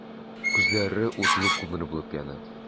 Күзләре утлы күмер булып яна.